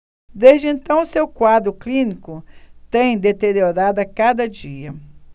desde então seu quadro clínico tem deteriorado a cada dia